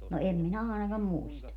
no en minä ainakaan muista